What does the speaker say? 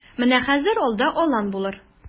Менә хәзер алда алан булыр.